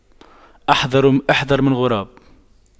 أحذر من غراب